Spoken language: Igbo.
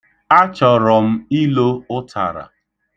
Achọrọ m ilo ụtara.